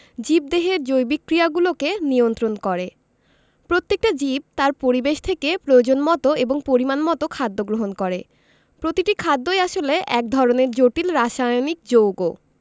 জীবদেহের জৈবিক ক্রিয়াগুলোকে নিয়ন্ত্রন করে প্রত্যেকটা জীব তার পরিবেশ থেকে প্রয়োজনমতো এবং পরিমাণমতো খাদ্য গ্রহণ করে প্রতিটি খাদ্যই আসলে এক ধরনের জটিল রাসায়নিক যৌগ